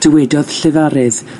Dywedodd llefarydd